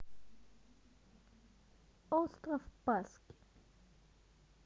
остров пасхи